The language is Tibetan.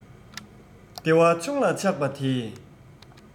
བདེ བ ཆུང ལ ཆགས པ དེས